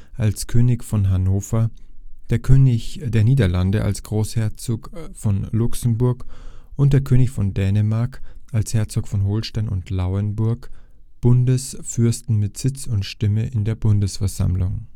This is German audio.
als König von Hannover, der König der Niederlande als Großherzog von Luxemburg und der König von Dänemark als Herzog von Holstein und Lauenburg, Bundesfürsten mit Sitz und Stimme in der Bundesversammlung